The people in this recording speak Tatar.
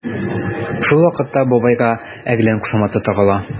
Шул вакытта бабайга “әрлән” кушаматы тагыла.